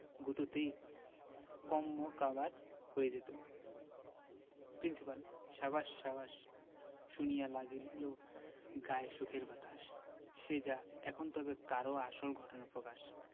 গুঁতোতেই কন্মকাবার হয়ে যেত প্রিন্সিপাল সাবাস সাবাস শুনিয়া লাগিল গায়ে সুখের বাতাস সে যাক এখন তবে কার আসল ঘটনা প্রকাশ